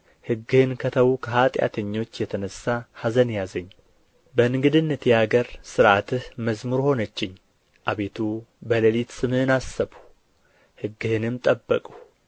ሕግህን ከተዉ ከኃጢአተኞች የተነሣ ኅዘን ያዘኝ በእንግድነቴ አገር ሥርዓትህ መዝሙር ሆነችኝ አቤቱ በሌሊት ስምህን አሰብሁ ሕግህንም ጠበቅሁ